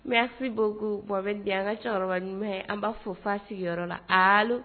Merci beaucoup Mohamed ni y’an cɛkɔrɔba ɲuman ye an b'a fo fa sigiyɔrɔ la.